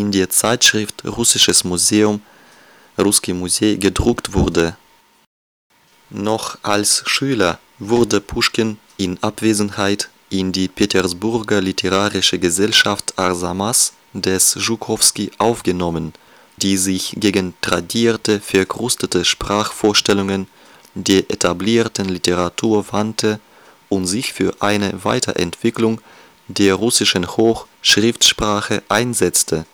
der Zeitschrift Russisches Museum (Русский Музей) gedruckt wurde. Noch als Schüler wurde Puschkin in Abwesenheit in die Petersburger literarische Gesellschaft Arsamas des W. A. Schukowski aufgenommen, die sich gegen tradierte, verkrustete Sprachvorstellungen der etablierten Literatur wandte und sich für eine Weiterentwicklung der russischen Hoch -/ Schriftsprache einsetzte